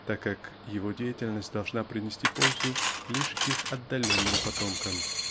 так как его деятельность должна принести пользу лишь их отдаленным потомкам